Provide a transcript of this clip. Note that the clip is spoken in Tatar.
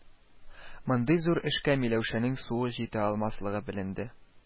Мондый зур эшкә Миләүшәнең суы җитә алмас-лыгы беленде